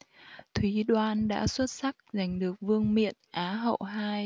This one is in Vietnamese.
thúy đoan đã xuất sắc giành được vương miện á hậu hai